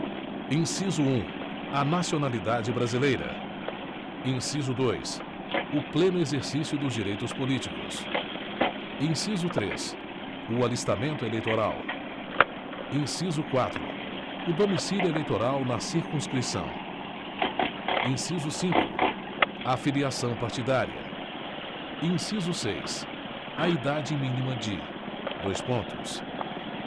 inciso um a nacionalidade brasileira inciso dois o pleno exercício dos direitos políticos inciso três o alistamento eleitoral inciso quatro o domicílio eleitoral na circunscrição inciso cinco a filiação partidária inciso seis a idade mínima de dois pontos